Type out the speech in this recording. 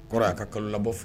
Kɔrɔ aa ka kalo labɔ fɔlɔ